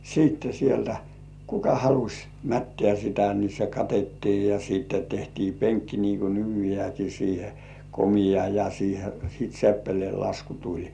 sitten sieltä kuka halusi mättää sitä niin se katettiin ja sitten tehtiin penkki niin kuin nykyäänkin siihen komea ja siihen sitten seppeleenlasku tuli